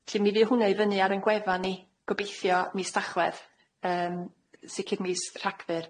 Felly, mi fydd hwn'ne i fyny ar 'yn gwefan ni gobeithio mis Tachwedd, yym yn sicir mis Rhagfyr.